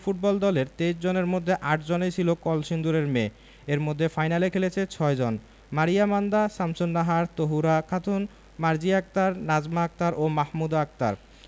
football দলের ২৩ জনের মধ্যে ৮ জনই ছিল কলসিন্দুরের মেয়ে এর মধ্যে ফাইনালে খেলেছে ৬ জন মারিয়া মান্দা শামসুন্নাহার তহুরা খাতুন মার্জিয়া আক্তার নাজমা আক্তার ও মাহমুদা আক্তার